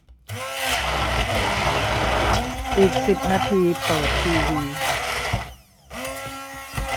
อีกสิบนาทีเปิดทีวี